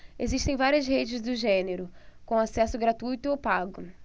existem várias redes do gênero com acesso gratuito ou pago